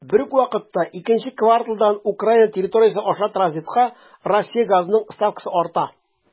Бер үк вакытта икенче кварталдан Украина территориясе аша транзитка Россия газының ставкасы арта.